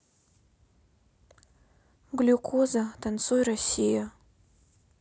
глюкоза танцуй россия